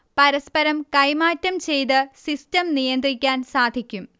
പരസ്പരം കൈമാറ്റം ചെയ്ത് സിസ്റ്റം നിയന്ത്രിക്കാൻ സാധിക്കും